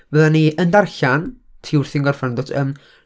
fyddan ni yn darllen, ti wrthi'n gorffan o dwyt? Yym...